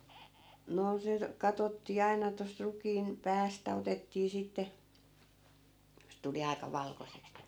no se katsottiin aina tuosta rukiin päästä otettiin sitten se tuli aika valkoiseksi niin